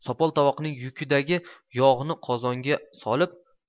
sopol tovoqning yuqidagi yog'ni qozonga solib